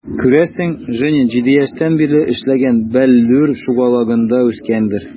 Күрәсең, Женя 7 яшьтән бирле эшләгән "Бәллүр" шугалагында үскәндер.